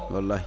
wallahi